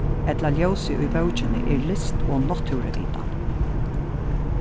ella ljósið í bókini er list og náttúruvitan